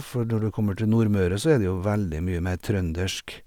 For når du kommer til Nordmøre, så er det jo veldig mye mer trøndersk.